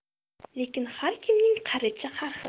lekin har kimning qarichi har xil